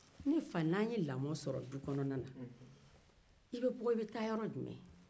ne fa n'a ye lamɔ sɔrɔ dukɔnɔna na i bɛ bɔ i bɛ ta yɔrɔ jumɛ